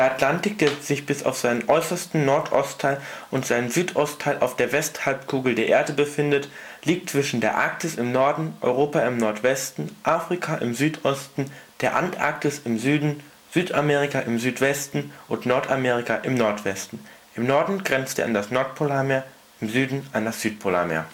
Atlantik, der sich bis auf seinen äußersten Nordostteil und seinen Südostteil auf der Westhalbkugel der Erde befindet, liegt zwischen der Arktis im Norden, Europa im Nordosten, Afrika im Südosten, der Antarktis im Süden, Südamerika im Südwesten und Nordamerika im Nordwesten. Im Norden grenzt er an das Nordpolarmeer, im Süden an das Südpolarmeer